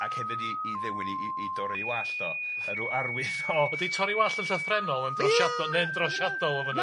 Ac hefyd i i ddewin i 'i 'i dorri 'i wallt o a ryw arwydd o... Ydi torri wallt yn llythrennol yn drosiadol... Ie! ne' yn drosiadol yn fa' 'yn?